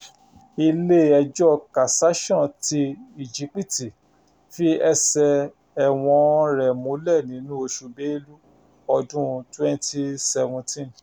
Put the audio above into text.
Ilé ẹjọ́ Cassation ti Íjípìtì fi ẹsẹ ẹ̀wọ̀n-ọn rẹ̀ múlẹ̀ nínú oṣù Belu ọdún 2017.